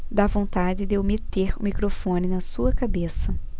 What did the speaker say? dá vontade de eu meter o microfone na sua cabeça